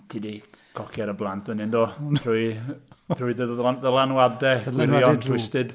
Ti 'di cocio dy blant fyny, yn do. Drwy trwy dy ddyl- ddylanwadau, gwirion, twisted.